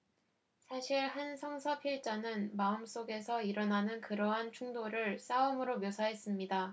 사실 한 성서 필자는 마음속에서 일어나는 그러한 충돌을 싸움으로 묘사했습니다